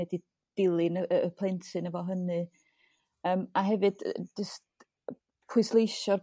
nid i dilyn y y y plentyn efo hynny yrm a hefyd yrr jyst pwysleisio'r